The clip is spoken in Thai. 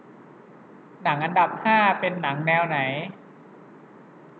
หนังอันดับห้าเป็นหนังแนวไหน